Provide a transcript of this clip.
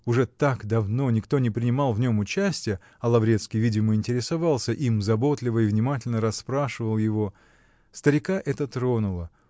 Уже так давно никто не принимал в нем участья, а Лаврецкий, видимо, интересовался им, заботливо и внимательно расспрашивал его. Старика это тронуло